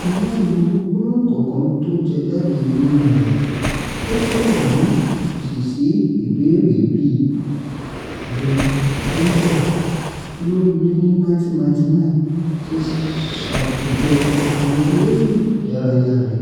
“Mo ránti gbogbo gbolohun kọ̀ọ̀kan tó jẹ jáde nínú rẹ̀,” ó sọ̀rọ̀ ní ìfèsì sí ìbéèrè bí Ben Crenshaw, olórí ilé ní 1999, ṣe ṣàtòjọ̀ àwọn eléré ìdárayá rẹ̀